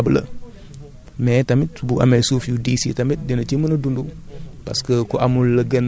mooy li ñu naan les sols sableux mais tamit bu amee suuf yu diis yi tamit dina ci mën a dund